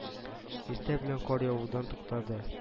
Иртә белән кар явудан туктады